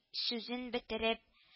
Сүзен бетереп: